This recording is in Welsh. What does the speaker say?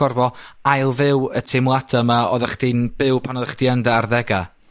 gorfo ail fyw y teimlade 'ma oddach chdi'n byw pan oddach chdi yn dy arddega.